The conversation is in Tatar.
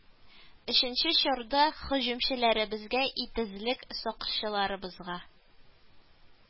Өченче чорда һөҗүмчеләребезгә итезлек, сакчыларыбызга